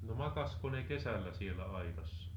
No makasko ne kesällä siellä aitassa?